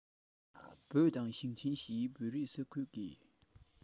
བོད དང ཞིང ཆེན བཞིའི བོད རིགས ས ཁུལ གྱི